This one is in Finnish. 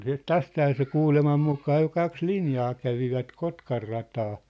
sitten tästähän se kuuleman mukaan jo kaksi linjaa kävivät Kotkanrataa